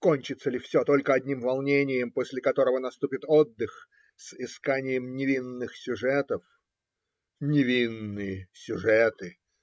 Кончится ли все только одним волнением, после которого наступит отдых с исканием невинных сюжетов?. Невинные сюжеты!